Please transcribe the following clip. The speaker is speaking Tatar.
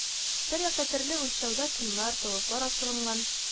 Бер якта төрле үлчәүдәге туннар, толыплар асылынган